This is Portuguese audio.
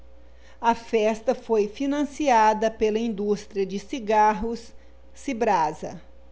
a festa foi financiada pela indústria de cigarros cibrasa